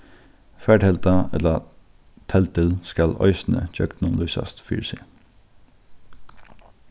fartelda ella teldil skal eisini gjøgnumlýsast fyri seg